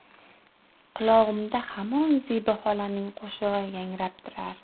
qulog'imda hamon zebi xolaning qo'shig'i yangrab turar